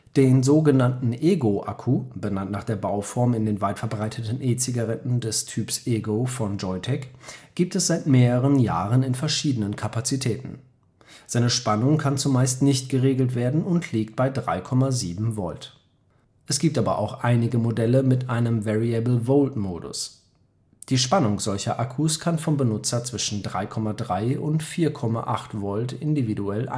Den sogenannten eGo-Akku (nach der Bauform in den weit verbreiteten E-Zigaretten des Typs eGo von Joyetech) gibt es seit mehreren Jahren in verschiedenen Kapazitäten. Seine Spannung kann zumeist nicht geregelt werden und liegt bei 3,7 Volt. Es gibt aber auch einige Modelle mit einem VariableVolt (VV) Modus. Die Spannung solcher Akkus kann vom Benutzer zwischen 3,3 und 4,8 Volt individuell